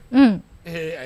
Un ee